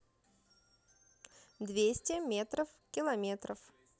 двести метров километров